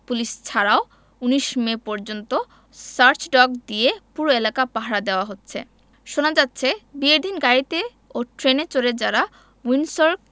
police ছাড়াও ১৯ May পর্যন্ত search dog দিয়ে পুরো এলাকা পাহারা দেওয়ানো হচ্ছে শোনা যাচ্ছে বিয়ের দিন গাড়িতে ও ট্রেনে চড়ে যাঁরা উইন্ডসর